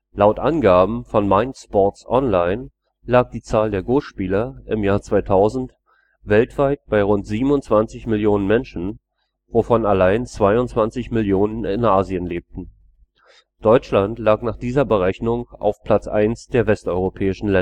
Laut Angaben von Mind Sports Online lag die Zahl der Go-Spieler im Jahr 2000 weltweit bei rund 27 Millionen Menschen, wovon allein 22 Millionen in Asien lebten. Deutschland lag nach dieser Berechnung auf Platz eins der westeuropäischen